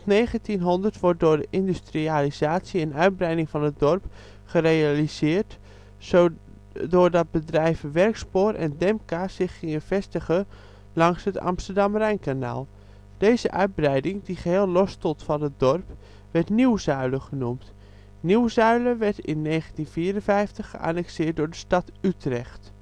1900 wordt door de industrialisatie een uitbreiding van het dorp gerealiseerd doordat de bedrijven Werkspoor en Demka zich gingen vestigen langs het Amsterdam-Rijnkanaal. Deze uitbreiding, die geheel los stond van het dorp, werd Nieuw Zuilen genoemd. Nieuw Zuilen werd in 1954 geannexeerd door de stad Utrecht